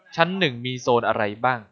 ชั้นหนึ่งมีโซนอะไรบ้าง